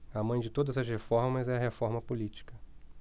a mãe de todas as reformas é a reforma política